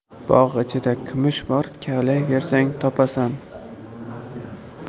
bog' ichida kumush bor kavlaybersang topasan